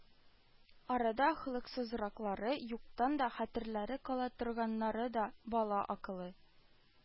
Арада холыксызраклары, юктан да хәтерләре кала торганнары да, бала акылы